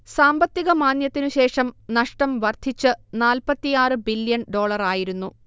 സാമ്പത്തിക മാന്ദ്യത്തിനുശേഷം നഷ്ടം വർധിച്ച് നാല്പ്പത്തിയാറ് ബില്യൺ ഡോളറായിരുന്നു